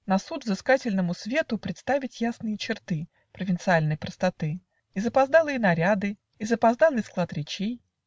На суд взыскательному свету Представить ясные черты Провинциальной простоты, И запоздалые наряды, И запоздалый склад речей